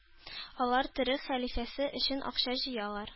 Алар төрек хәлифәсе өчен акча җыялар